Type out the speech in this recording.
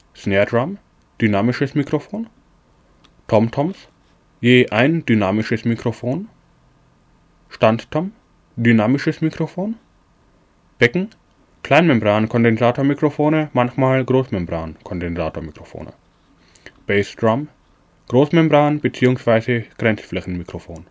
Snaredrum: dynamisches Mikrofon Tomtoms: je ein dynamisches Mikrofon Standtom: Dynamisches Mikrofon Becken: Kleinmembran-Kondensatormikrofone, manchmal Großmembran-Kondensatormikrofone Bassdrum: Großmembran - bzw. Grenzflächenmikrofon